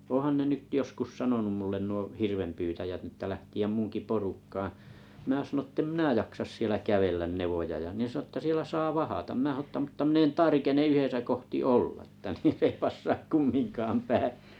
onhan ne nyt joskus sanonut minulle nuo hirvenpyytäjät niin että lähteä minunkin porukkaan minä sanoin että en minä jaksa siellä kävellä nevoja ja ne sanoi että siellä saa vahdata minä sanoin mutta minä en tarkene yhdessä kohti olla että se ei passaa kumminkaan päin